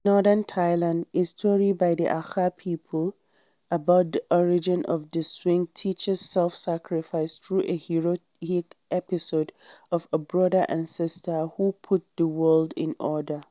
In northern Thailand, a story by the Akha people about the origin of the swing teaches self-sacrifice through a heroic episode of a brother and a sister who put the world in order.